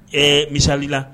Ɛɛ misalilila